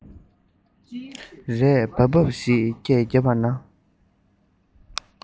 རས བཱ བཱ ཞེས སྐད བརྒྱབ པ ན